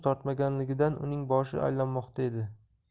totmaganligidan uning boshi aylanmoqda edi